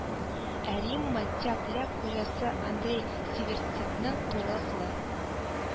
Ә Римма «Тяп-ляп» хуҗасы Андрей Северцевның турылыклы